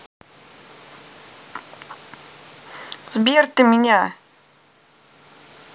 сбер ты меня